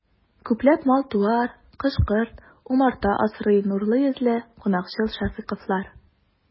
Күпләп мал-туар, кош-корт, умарта асрый нурлы йөзле, кунакчыл шәфыйковлар.